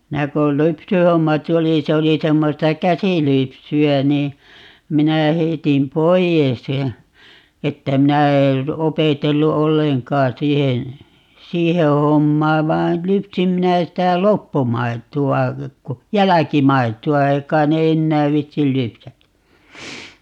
minä kun lypsyhommat oli se oli semmoista käsilypsyä niin minä heitin pois ja että minä en opetellut ollenkaan siihen siihen hommaan vaan lypsin minä sitä loppumaitoa jälkimaitoa ei kai ne enää viitsi lypsääkään